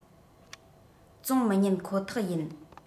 བཙོང མི ཉན ཁོ ཐག ཡིན